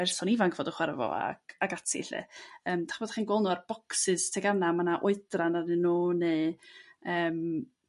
berson ifanc fod yn chwara' 'fo ac ac ati 'lly. Yrm dach ch'mod chi'n gweld nhw ar bocsys tegana' ma' 'na oedran arnyn nhw ne' yrm...